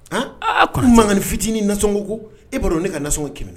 Aa a ko ma ni fitinin nasɔn ko e b' dɔn ne ka nasɔngɔ ye kɛmɛ